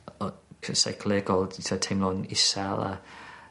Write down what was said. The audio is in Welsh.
o- yy seicolegol t'od teimlo'n isel a